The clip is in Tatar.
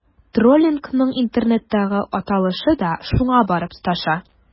Троллингның интернеттагы аталышы да шуңа барып тоташа.